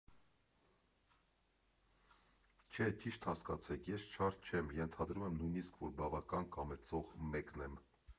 Չէ՛, ճիշտ հասկացեք՝ ես չար չեմ, ենթադրում եմ նույնիսկ, որ բավական կամեցող մեկն եմ։